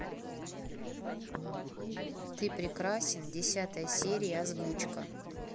ты прекрасен десятая серия озвучка